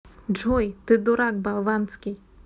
джой ты дурак болванский